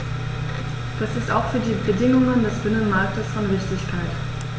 Das ist auch für die Bedingungen des Binnenmarktes von Wichtigkeit.